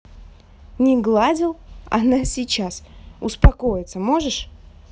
не гладил она сейчас успокоится можешь